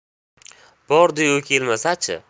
bordiyu u kelmasachi